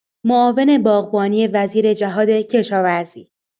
معاون باغبانی وزیر جهادکشاورزی